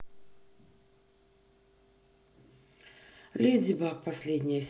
леди баг последняя серия